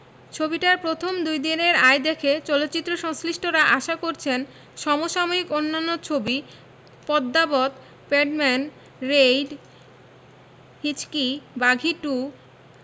ছবিটার প্রথম দুইদিনের আয় দেখে চলচ্চিত্র সংশ্লিষ্টরা আশা করছেন সম সাময়িক অন্যান্য ছবি পদ্মাবত প্যাডম্যান রেইড হিচকি বাঘী টু